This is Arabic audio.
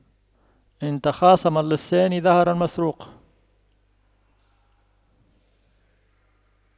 إذا تخاصم اللصان ظهر المسروق